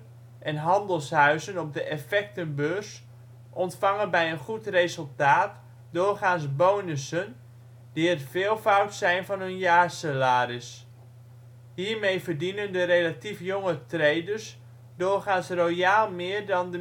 en handelshuizen op de effectenbeurs ontvangen bij een goed resultaat doorgaans bonussen die het veelvoud zijn van hun jaarsalaris. Hiermee verdienen de relatief jonge traders doorgaans royaal meer dan de